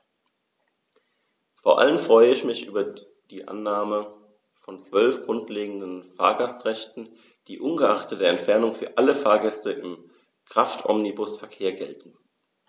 Vor allem freue ich mich über die Annahme von 12 grundlegenden Fahrgastrechten, die ungeachtet der Entfernung für alle Fahrgäste im Kraftomnibusverkehr gelten.